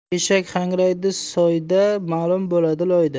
eshak hangraydi soyda ma'lum bo'ladi loyda